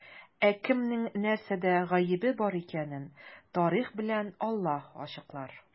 Ә кемнең нәрсәдә гаебе бар икәнен тарих белән Аллаһ ачыклар.